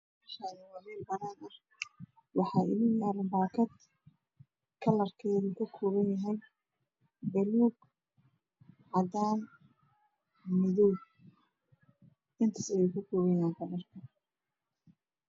Meeshan waa mel banaan ah waxaana yaalo bakat kalarkeedu ka kooban yahay buluug cadaan iyo madoow intaas ayuu kalarkedu ka kooban yahay